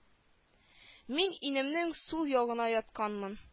Мин инәмнең сул ягында ятканым